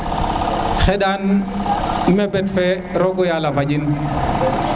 xeɗan mbembet fe roga yala a faƴ in